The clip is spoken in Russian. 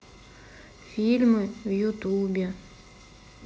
фильмы в ютубе